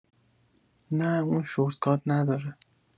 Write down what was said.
نه اون شورت کات نداره